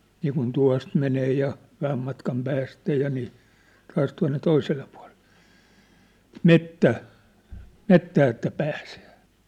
niin kuin tuosta menee ja vähän matkan päästä ja niin taas tuonne toiselle puolelle metsän metsään että pääsee